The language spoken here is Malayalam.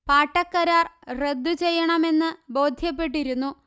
പാട്ടക്കരാർ റദ്ദുചെയ്യണമെന്ന്ബോധ്യപ്പെട്ടിരുന്നു